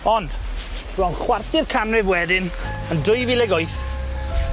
Ond, bron chwarter canrif wedyn, yn dwy fil ag wyth,